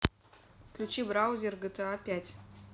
включи браузер gta пять